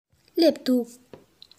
སླེབས འདུག